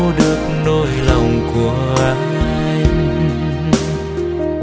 được nỗi lòng của anh